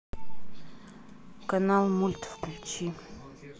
канал мульт включи